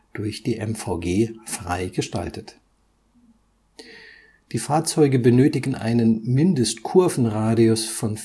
durch die MVG frei gestaltet. Die Fahrzeuge benötigen einen Mindestkurvenradius von